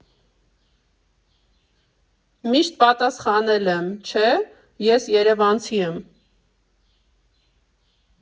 Միշտ պատասխանել եմ, չէ, ես երևանցի եմ։